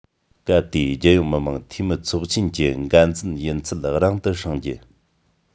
སྐབས དེའི རྒྱལ ཡོངས མི དམངས འཐུས མིའི ཚོགས ཆེན གྱི འགན འཛིན ཡུན ཚད རིང དུ བསྲིང རྒྱུ